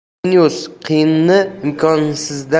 genius qiyinni imkonsizdan